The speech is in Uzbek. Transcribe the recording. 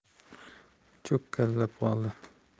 cho'kkalab qoldi